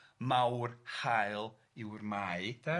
'Mawr hael yw'r Mai', de?